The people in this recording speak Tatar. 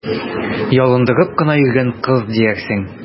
Ялындырып кына йөргән кыз диярсең!